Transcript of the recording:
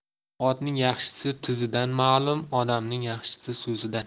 otning yaxshisi tizidan ma'lum odamning yaxshisi so'zidan